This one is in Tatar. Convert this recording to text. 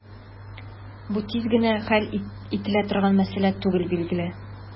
Бу тиз генә хәл ителә торган мәсьәлә түгел, билгеле.